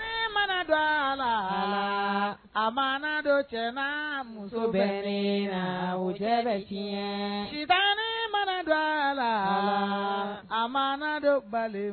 Mana dɔgɔ la a ma don cɛ muso bɛ la o cɛ diɲɛtan mana dɔgɔ la a ma don balo